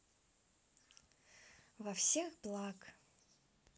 во всех благ